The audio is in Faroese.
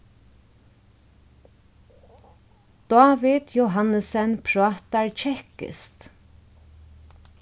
dávid johannessen prátar kekkiskt